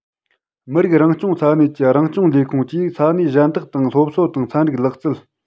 མི རིགས རང སྐྱོང ས གནས ཀྱི རང སྐྱོང ལས ཁུངས ཀྱིས ས གནས གཞན དག དང སློབ གསོ དང ཚན རིག ལག རྩལ